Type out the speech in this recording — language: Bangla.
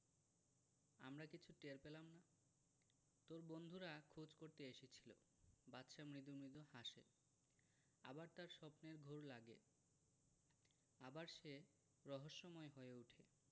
আমরা কিচ্ছু টের পেলাম না তোর বন্ধুরা খোঁজ করতে এসেছিলো বাদশা মৃদু মৃদু হাসে আবার তার স্বপ্নের ঘোর লাগে আবার সে রহস্যময় হয়ে উঠে